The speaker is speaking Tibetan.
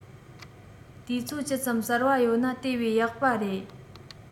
དུས ཚོད ཇི ཙམ གསར བ ཡོད ན དེ བས ཡག པ རེད